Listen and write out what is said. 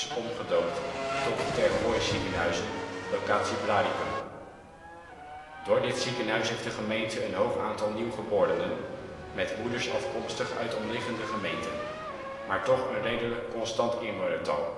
omgedoopt tot ' Tergooiziekenhuizen -- locatie Blaricum '). Door dit ziekenhuis heeft de gemeente een hoog aantal nieuwgeborenen (met moeders afkomstig uit omliggende gemeenten), maar toch een redelijk constant inwonertal